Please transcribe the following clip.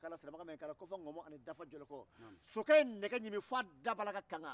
nin nakarabaya mina falendon ani boɲa ni ladamu sera e ka so